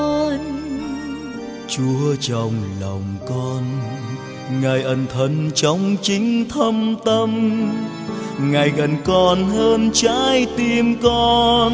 chúa trong lòng con ngài ẩn thân trong chính thâm tâm ngài gần con hơn trái tim con